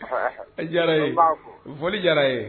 I diyara ye foli diyara ye